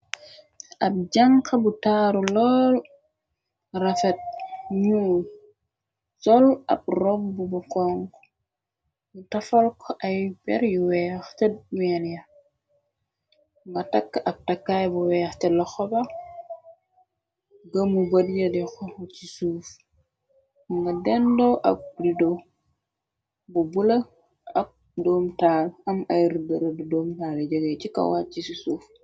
Ab jànxa bu taaru lool rafet ñu sol ab rob b bu kong nu tafal ko ay ber yu weex. Te menia nga takk ab takkaay bu weex te la xobax gëmu bëryedi xoxu ci suuf nga dendoo ab rideo bu bula. Ak doomtaal am ay rudërë du doomtaale jege ci kowacc ci suuf.